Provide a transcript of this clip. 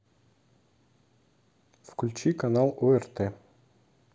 включи канал орт